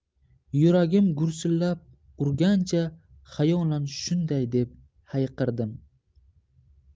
yuragim gursillab urgancha xayolan shunday deb hayqirdim